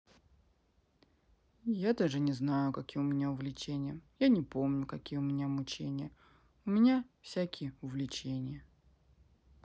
я даже не знаю какие у меня увлечения я не помню какие у меня мучения у меня всякие увлечения